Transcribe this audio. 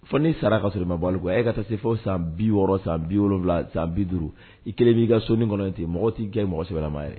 Fɔ n'i sara ka sɔrɔ i ma bɔale kuwa e ka taa se fɔ san bi wɔɔrɔ san bi wolowula san bi duuru i kelen b'i ka soni kɔnɔ tɛ mɔgɔ t tɛi kɛ mɔgɔ sɛbɛnma ye